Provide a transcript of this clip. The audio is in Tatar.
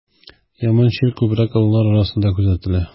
Яман чир күбрәк олылар арасында күзәтелә.